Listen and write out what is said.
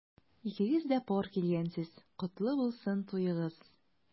Икегез дә пар килгәнсез— котлы булсын туегыз!